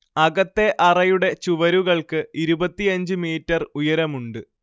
അകത്തെ അറയുടെ ചുവരുകൾക്ക് ഇരുപത്തിയഞ്ച് മീറ്റർ ഉയരമുണ്ട്